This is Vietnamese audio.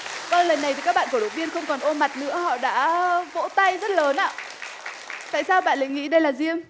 vâng lần này các bạn cổ động viên không còn ôm mặt nữa họ đã vỗ tay rất lớn ạ tại sao bạn lại nghĩ đây là diêm